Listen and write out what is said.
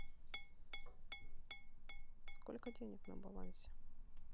сколько денег на балансе